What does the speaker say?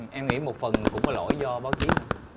em nghĩ một phần cũng có lỗi do báo chí nữa